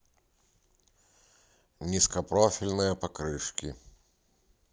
низкопрофильные покрышки